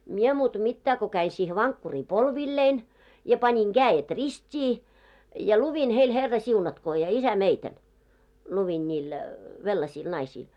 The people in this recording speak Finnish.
minä muuta mitään kun kävin siihen vankkuriin polvilleni ja panin kädet ristiin ja luin heille herrasiunatkoon ja isämeidän luin niille venäläisille naisille